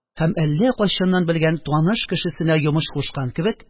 Һәм әллә кайчаннан белгән таныш кешесенә йомыш кушкан кебек